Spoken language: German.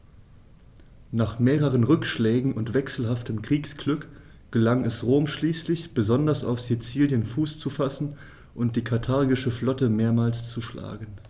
Nach mehreren Rückschlägen und wechselhaftem Kriegsglück gelang es Rom schließlich, besonders auf Sizilien Fuß zu fassen und die karthagische Flotte mehrmals zu schlagen.